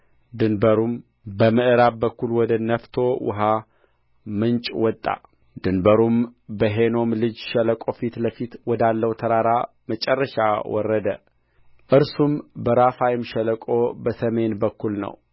ድንበሩም በምዕራብ በኩል ወደ ነፍቶ ውኃ ምንጭ ወጣ ድንበሩም በሄኖም ልጅ ሸለቆ ፊት ለፊት ወዳለው ተራራ መጨረሻ ወረደ እርሱም በራፋይም ሸሰቆ በሰሜን በኩል ነው